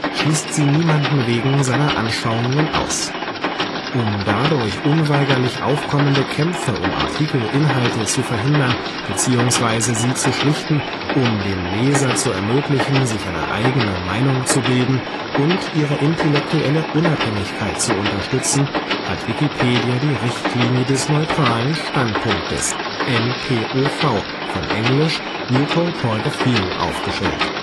schließt sie niemanden wegen seiner Anschauungen aus. Um dadurch unweigerlich aufkommende Kämpfe um Artikelinhalte zu verhindern bzw. zu schlichten und um den Lesern zu ermöglichen, sich eine eigene Meinung zu bilden, und ihre intellektuelle Unabhängigkeit zu unterstützen, hat Wikipedia die Richtlinie des neutralen Standpunkts (NPOV, von englisch neutral point of view) aufgestellt